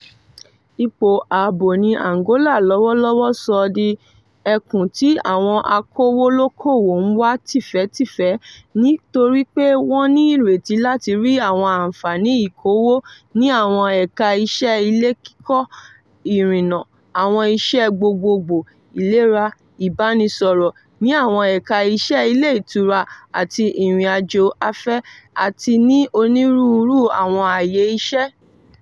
Ipò ààbò ní Angola lọ́wọ́lọ́wọ́ sọ ọ́ di ẹkùn tí àwọn akówólókòwò ń wá tìfẹ́tìfẹ́, nítorí pé wọ́n ní ìrètí láti rí àwọn àǹfààní ìkówó ní àwọn ẹ̀ka iṣẹ́ ilé kíkọ́, ìrìnnà, àwọn iṣẹ́ gbogboogbò, ilera, ìbánisọ̀rọ̀, ní àwọn ẹ̀ka iṣẹ́ ilé ìtura àti ìrìnàjò afẹ́ àti ní onírúurú àwọn àyè iṣẹ́".